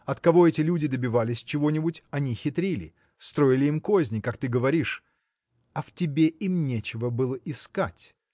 от кого эти люди добивались чего-нибудь они хитрили строили им козни как ты говоришь а в тебе им нечего было искать